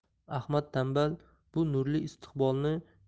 ahmad tanbal bu nurli istiqbolni